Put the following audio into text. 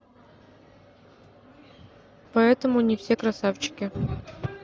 поэтому они все красавчики